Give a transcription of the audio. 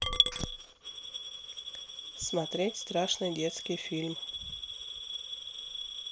смотреть страшный детский фильм